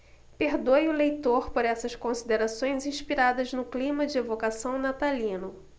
perdoe o leitor por essas considerações inspiradas no clima de evocação natalino